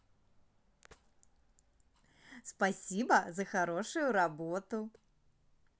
спасибо за хорошую работу